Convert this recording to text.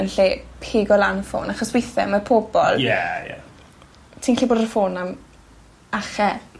yn lle pigo lan y ffôn achos withe ma pobol... Ie ie. ti'n gallu bod ar y ffôn am ache.